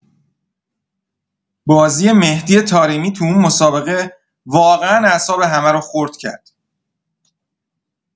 بازی مهدی طارمی تو اون مسابقه واقعا اعصاب همه رو خورد کرد.